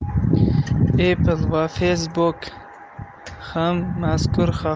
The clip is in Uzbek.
apple va facebook ham mazkur